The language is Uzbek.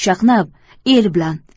chaqnab el bilan